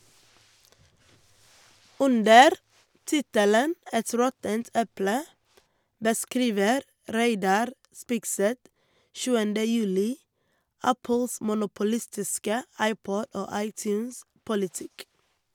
Under tittelen «Et råttent eple» beskriver Reidar Spigseth 7. juli Apples monopolistiske iPod- og iTunes-politikk.